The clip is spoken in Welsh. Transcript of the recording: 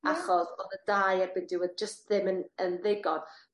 Achos o'dd y dau erbyn diwedd jyst ddim yn yn ddigon.